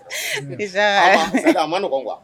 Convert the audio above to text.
Sisan faama man nɔgɔ kuwa